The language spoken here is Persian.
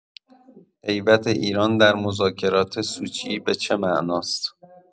غیبت ایران در مذاکرات سوچی به چه معناست؟